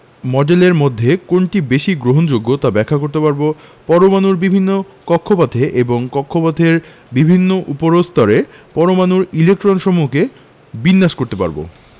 মডেলের মধ্যে কোনটি বেশি গ্রহণযোগ্য তা ব্যাখ্যা করতে পারব পরমাণুর বিভিন্ন কক্ষপথে এবং কক্ষপথের বিভিন্ন উপস্তরে পরমাণুর ইলেকট্রনসমূহকে বিন্যাস করতে পারব